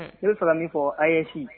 Ne bɛ fa min fɔ a' ye si